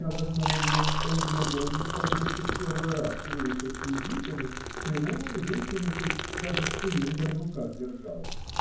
я в одном углу, он в другом, как будто в первый раз выехал с визитами, прямой, вытянутый, даже цилиндр в руках держал.